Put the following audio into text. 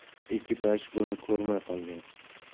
ekipaj buni ko'rmay qolgan